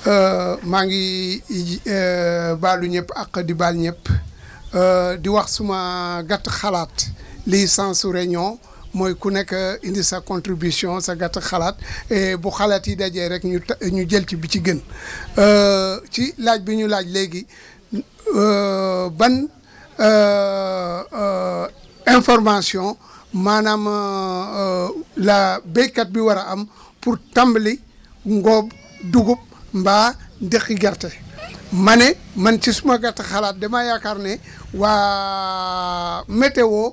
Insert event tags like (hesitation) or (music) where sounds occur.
(hesitation) maa ngi (hesitation) baalu ñëpp àq di baal ñëpp (hesitation) di wax suma (hesitation) gàtt xalaat liy sens su réunion mooy ku nekk indi sa contribution sa gàtt xalaat (breath) (hesitation) bu xalaat yi dajee rek ñu ta ñu jël ci bi ci gën (breath) (hesitation) ci laaj bi ñu laaj léegi (breath) (hesitation) ban (hesitation) information maanaam (hesitation) la béykat bi war a am pour tàmbali ngóob dugub mbaa deqi gerte ma ne man ci su ma gàtt xalaat damaa yaakaar ne (breath) waa (hesitation) météo